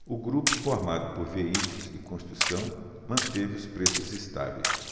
o grupo formado por veículos e construção manteve os preços estáveis